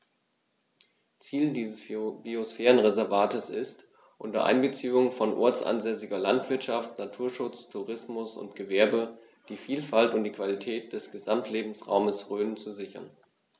Ziel dieses Biosphärenreservates ist, unter Einbeziehung von ortsansässiger Landwirtschaft, Naturschutz, Tourismus und Gewerbe die Vielfalt und die Qualität des Gesamtlebensraumes Rhön zu sichern.